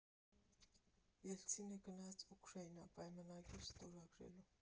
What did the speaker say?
Ելցինը գնաց Ուկրաինա՝ պայմանագիր ստորագրելու։